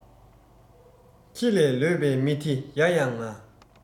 ཁྱི ལས ལོད པའི མི དེ ཡ ཡང ང